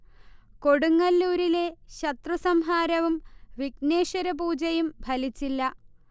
കൊടുങ്ങല്ലൂരിലെ ശത്രു സംഹാരവും വിഘ്നേശ്വര പൂജയും ഫലിച്ചില്ല